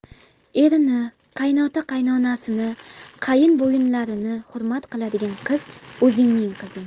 erini qaynota qaynonasini qaynbo'yinlarini hurmat qiladigan qiz o'zingning qizing